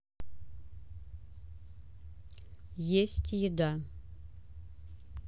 есть еда